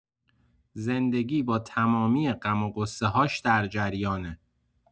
زندگی با تمامی غم و غصه‌هاش در جریانه!